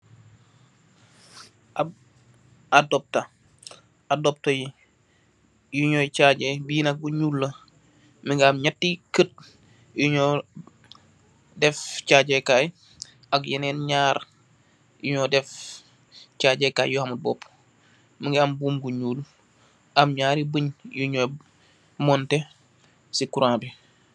Ab adopta, adopta yi, yii ñuy caaje, bi nak, mu ngi am ñatti kët, fu ñooy def caaje kaay, ak yenen ñaar, yu ñooy def caaje kaay yu amut boopu, ñu ngi am buum bu ñuul, am ñaari bañge yu ñooy, moonte, si kuraa bi.